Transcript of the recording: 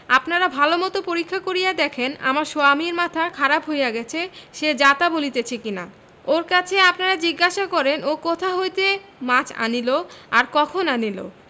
আপনারা ভালোমতো পরীক্ষা করিয়া দেখেন আমার সোয়ামীর মাথা খারাপ হইয়া সে যাতা বলিতেছে কিনা ওর কাছে আপনারা জিজ্ঞাসা করেন ও কোথা হইতে মাছ আনিল আর কখন আনিল